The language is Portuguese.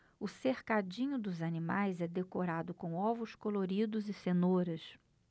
o cercadinho dos animais é decorado com ovos coloridos e cenouras